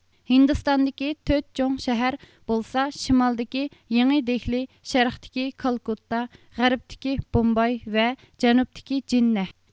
ھىندىستاندىكى تۆت چوڭ شەھەر بولسا شىمالدىكى يېڭى دېھلى شەرقتىكى كالكۇتتا غەربتىكى بومباي ۋە جەنۇبتىكى جىننەھ